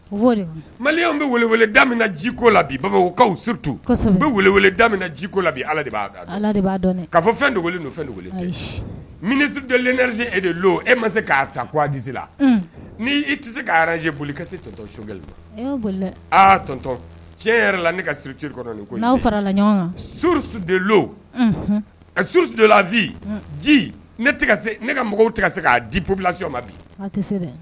Mali bɛ jiko la bi babatu bɛ jiko la b ka fɔ fɛnz e de e ma se k'a ta diz la ni i tɛ se ka ze boli katɔn tiɲɛ yɛrɛ la kadola ne ka mɔgɔw se k' dipbilati ma